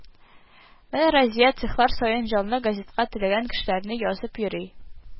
Менә Разия цехлар саен җанлы газетка теләгән кешеләрне язып йөри